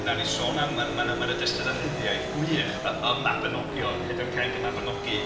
Wnawn ni sôn am... ma' 'na ma' 'na ma' 'na destunau rhyddiaeth gwych, y y Mabinogion. Pedair Cainc y Mabinogi.